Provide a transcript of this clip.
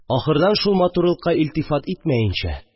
Ахырдан, шул матурлыкка илтифат итмәенчә